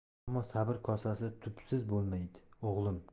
ammo sabr kosasi tubsiz bo'lmaydi o'g'lim